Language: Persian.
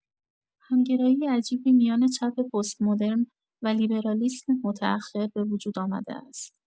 همگرایی عجیبی میان چپ پست‌مدرن و لیبرالیسم متاخر به وجود آمده است.